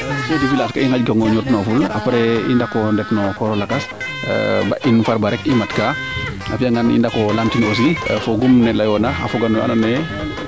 chef du village ka i nganj kan o ñoot nu apres i ndet no kooro lakas ba in Farba rek i mat kaa a fiya ngaan i ndako laam tin aussi foogum ne leyoona a foga no we ando naye